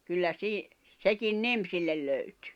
kyllä - sekin nimi sille löytyi